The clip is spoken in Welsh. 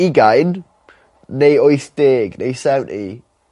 Ugain neu wyth deg neu seventy.